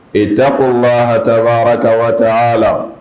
I taba hatabaa ka waa taa la